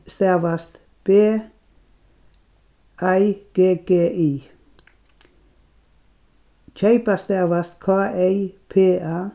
stavast b ei g g i keypa stavast k ey p a